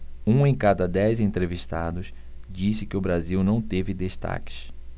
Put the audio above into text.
um em cada dez entrevistados disse que o brasil não teve destaques